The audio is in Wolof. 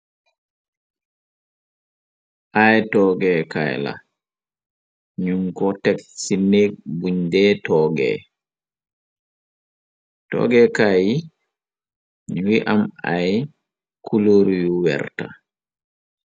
Ay togge kaay la , nu ko teg ci neek buñ dee toogee. Togge kaay yi ngi am ay kulur yu werta.